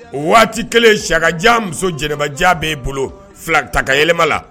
O waati kɛlen ye sikajan muso jɛnɛja b'i bolo fila ta ka yɛlɛma la